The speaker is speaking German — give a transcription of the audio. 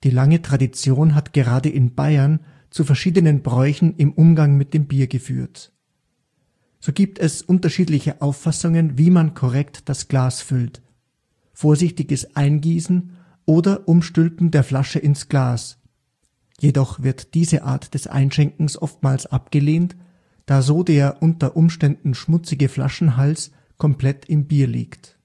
lange Tradition hat gerade in Bayern zu verschiedenen Bräuchen im Umgang mit dem Bier geführt. So gibt es unterschiedliche Auffassungen, wie man korrekt das Glas füllt: vorsichtiges Eingießen oder Umstülpen der Flasche ins Glas (jedoch wird diese Art des Einschenkens oftmals abgelehnt, da so der unter Umständen schmutzige Flaschenhals komplett im Bier liegt